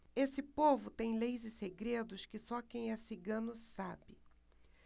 esse povo tem leis e segredos que só quem é cigano sabe